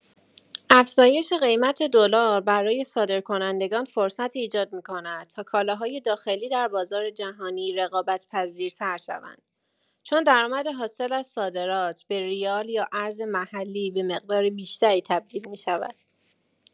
افزایش قیمت دلار برای صادرکنندگان فرصتی ایجاد می‌کند تا کالاهای داخلی در بازار جهانی رقابت‌پذیرتر شوند، چون درآمد حاصل از صادرات به ریال یا ارز محلی به مقدار بیشتری تبدیل می‌شود.